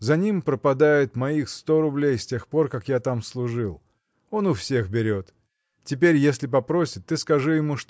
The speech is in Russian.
за ним пропадает моих сто рублей с тех пор, как я там служил. Он у всех берет. Теперь если попросит ты скажи ему